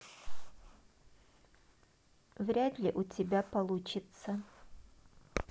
вряд ли у тебя получится